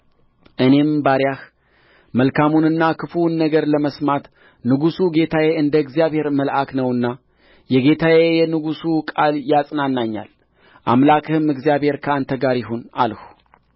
እኔም ባሪያህ መልካሙንና ክፉውን ነገር ለመስማት ንጉሡ ጌታዬ እንደ እግዚአብሔር መልአክ ነውና የጌታዬ የንጉሡ ቃል ያጽናናኛል አምላክህም እግዚአብሔር ከአንተ ጋር ይሁን አልሁ